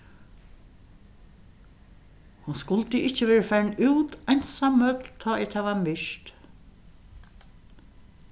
hon skuldi ikki verið farin út einsamøll tá ið tað var myrkt